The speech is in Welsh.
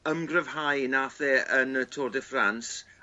ymgryfhau nath e yn y Tour de France.